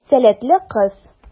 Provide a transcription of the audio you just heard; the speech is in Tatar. Сәләтле кыз.